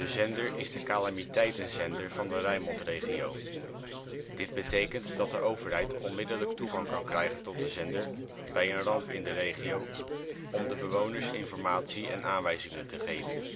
zender is de calamiteitenzender van de Rijnmond-regio. Dit betekent dat de overheid onmiddellijk toegang kan krijgen tot de zender bij een ramp in de regio, om de bewoners informatie en aanwijzingen te geven